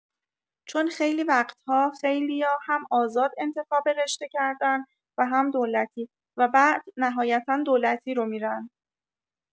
چون خیلی وقت‌ها خیلیا هم آزاد انتخاب رشته کردن و هم دولتی و بعد نهایتا دولتی رو می‌رن